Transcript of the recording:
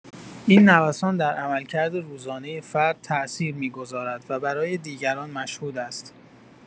این نوسان در عملکرد روزانه فرد تآثیر می‌گذارد و برای دیگران مشهود است.